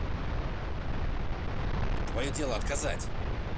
твое дело отказать